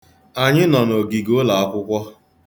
Anyị nọ n'ogige ụlọakwụkwọ.